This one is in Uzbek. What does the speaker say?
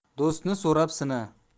do'stni so'rab sina